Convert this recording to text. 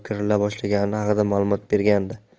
olib kirila boshlangani haqida ma'lumot bergandi